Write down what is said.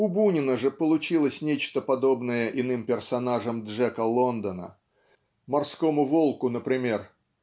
У Бунина же получилось нечто подобное иным персонажам Джека Лондона Морскому Волку, например